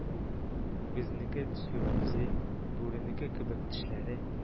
Үгезнеке төсле күзе, бүренеке кебек тешләре